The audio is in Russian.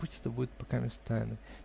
Пусть это будет покамест тайной.